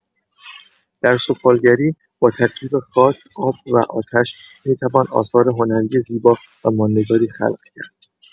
در سفالگری، با ترکیب خاک، آب و آتش می‌توان آثار هنری زیبا و ماندگاری خلق کرد.